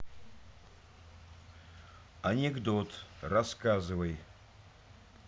анекдот рассказывай